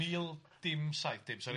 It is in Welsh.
... Mil dim saith dim sori...